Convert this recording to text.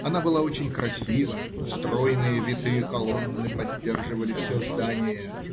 Она была очень красива: стройные витые колонны поддерживали все здание